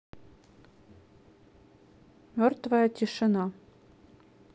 мертвая тишина